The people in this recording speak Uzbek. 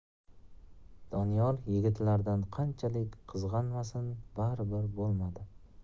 doniyor yigitlardan qanchalik qizg'anmasin baribir bo'lmadi